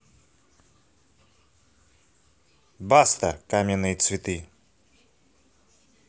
баста каменные цветы